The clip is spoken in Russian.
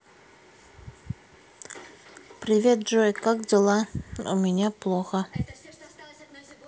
привет джой как дела у меня плохо